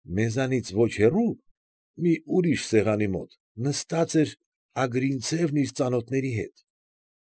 Մեզանից ոչ հեռու, մի ուրիշ սեղանի մոտ նստած էր Ագրինցևն իր ծանոթների հետ։